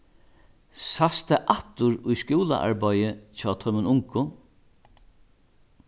sæst tað aftur í skúlaarbeiði hjá teimum ungu